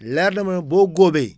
leer na ma boo góobee